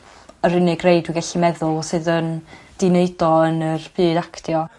yr unig rhei dwi gallu meddwl sydd yn 'di neud o yn yr byd actio.